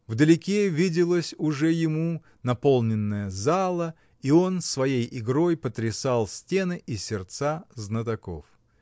Вдалеке виделась уже ему наполненная зала, и он своей игрой потрясал стены и сердца знатоков.